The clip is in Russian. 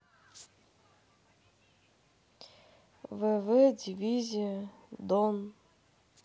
вэ вэ дивизия дон